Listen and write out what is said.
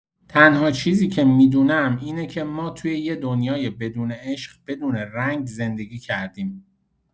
تنها چیزی که می‌دونم اینه که، ما توی یه دنیای بدون عشق، بدون رنگ زندگی کردیم.